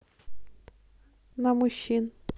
на мужчин